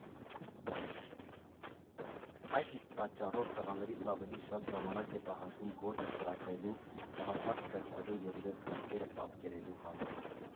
Այդ իսկ պատճառով, տղաներից ավելի շատ ժամանակ է պահանջվում գործը ծրագրելու, գաղափար ստեղծելու և իրենց մտքերը պատկերելու համար։